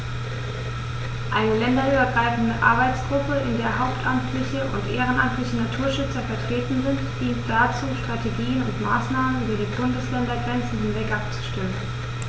Eine länderübergreifende Arbeitsgruppe, in der hauptamtliche und ehrenamtliche Naturschützer vertreten sind, dient dazu, Strategien und Maßnahmen über die Bundesländergrenzen hinweg abzustimmen.